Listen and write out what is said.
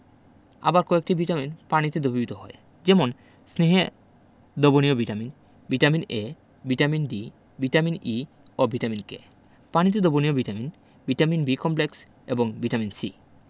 আবার কয়েকটি ভিটামিন পানিতে দ্রবীভূত হয় যেমন স্নেহে দ্রবণীয় vitamin vitamin A vitamin D vitamin E ও ভিটামিন K পানিতে দ্রবণীয় ভিটামিন ভিটামিন B complex এবং ভিটামিন C